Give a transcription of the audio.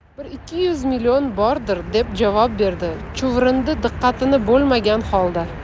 bir ikki yuz million bordir deb javob berdi chuvrindi diqqatini bo'lmagan holda